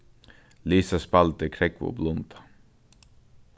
lisa spældi krógva og blunda